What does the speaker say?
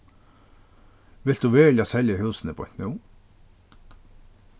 vilt tú veruliga selja húsini beint nú